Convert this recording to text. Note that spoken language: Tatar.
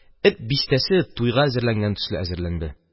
Эт бистәсе туйга әзерләнгән төсле әзерләнде.